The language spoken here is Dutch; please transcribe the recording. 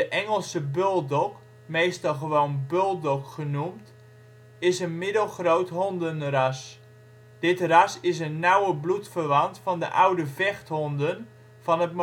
Engelse Bulldog, meestal gewoon Bulldog (stierhond) genoemd, is een middelgroot hondenras. Dit ras is een nauwe bloedverwant van de oude vechthonden van het